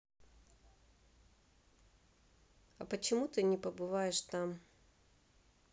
а почему ты не побываешь там